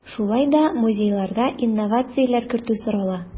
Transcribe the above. Шулай да музейларга инновацияләр кертү сорала.